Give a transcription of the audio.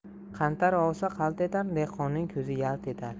qantar ovsa qalt etar dehqonning ko'zi yalt etar